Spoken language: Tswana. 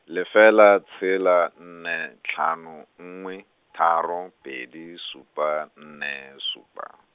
lefela tshela nne tlhano nngwe, tharo pedi supa nne supa.